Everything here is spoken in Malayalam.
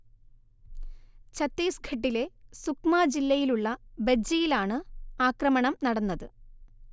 ഛത്തീസ്ഗഢിലെ സുക്മ ജില്ലയിലുള്ള ബെജ്ജിയിലാണ് ആക്രമണം നടന്നത്